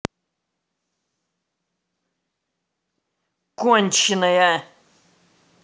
конченная